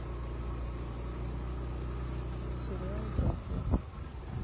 сериал дракула